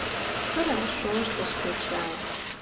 хорошо что скучала